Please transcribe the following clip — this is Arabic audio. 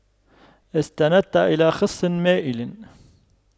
استندت إلى خصٍ مائلٍ